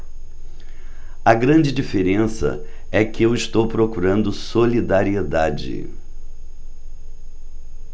a grande diferença é que eu estou procurando solidariedade